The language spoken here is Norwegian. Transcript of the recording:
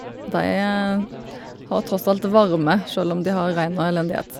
De har tross alt varme sjøl om de har regn og elendighet.